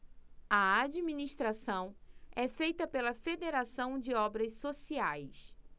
a administração é feita pela fos federação de obras sociais